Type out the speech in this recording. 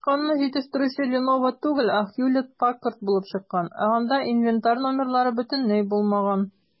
Тычканны җитештерүче "Леново" түгел, ә "Хьюлетт-Паккард" булып чыккан, ә анда инвентарь номерлары бөтенләй булмаган.